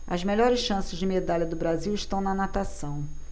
as melhores chances de medalha do brasil estão na natação